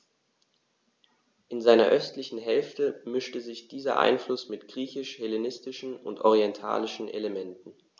In seiner östlichen Hälfte mischte sich dieser Einfluss mit griechisch-hellenistischen und orientalischen Elementen.